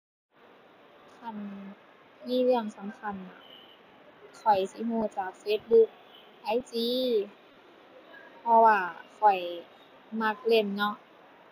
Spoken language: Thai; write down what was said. คันมีเรื่องสำคัญน่ะ ข้อยสิรู้จาก Facebook IG เพราะว่าข้อยมักเล่นเนาะ